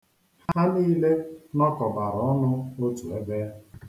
Ha niile nọkọbara ọnụ otu ebe.